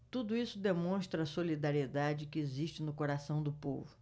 tudo isso demonstra a solidariedade que existe no coração do povo